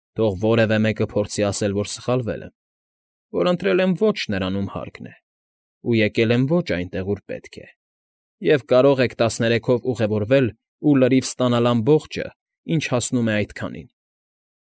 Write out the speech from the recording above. Թող որևէ մեկը փորձի ասել, որ սխալվել եմ, որ ընտրել եմ ոչ նրան, ում հարկն է, ու եկել եմ ոչ այնտեղ, ուր պետք է, և կարող եք տասներեքով ուղևորվել ու լրիվ ստանալ ամբողջը, ինչ հասնում է այդքանին։